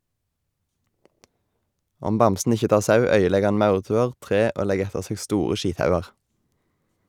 Om bamsen ikkje tar sau, øydelegg han maurtuer, tre og legg etter seg store skithaugar.